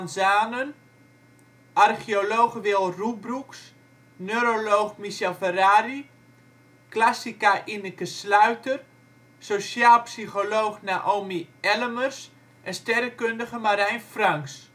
Zaanen, archeoloog Wil Roebroeks, neuroloog Michel Ferrari, classica Ineke Sluiter, sociaal psycholoog Naomi Ellemers en sterrenkundige Marijn Franx